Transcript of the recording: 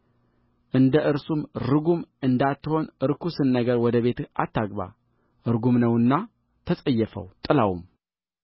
እንደ እርሱም ርጉም እንዳትሆን ርኩስን ነገር ወደ ቤትህ አታግባ ርጉም ነውና ተጸየፈው ጥላውም